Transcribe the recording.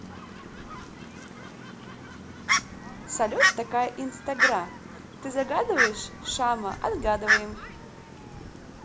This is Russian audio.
салют такая инстагра ты загадываешь шама отгадываем